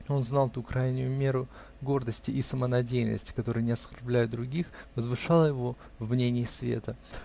Он знал ту крайнюю меру гордости и самонадеянности, которая, не оскорбляя других, возвышала его в мнении света.